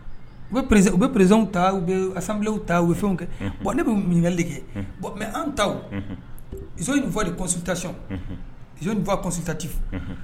U p u bɛ pererezw ta u bɛ sanubilenw ta u bɛ fɛnw kɛ bɔn ne bɛ minɛkali kɛ mɛ an tao fɔ de kɔtacofatati